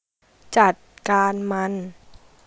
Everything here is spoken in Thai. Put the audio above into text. จััดการมัน